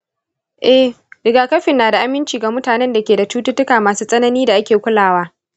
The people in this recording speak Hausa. eh, rigakafin na da aminci ga mutanen da ke da cututtuka masu tsanani da ake kulawa.